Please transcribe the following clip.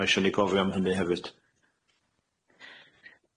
Ma' isio ni gofio am hynny hefyd.